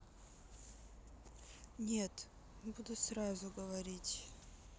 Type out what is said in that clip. нет буду сразу говорить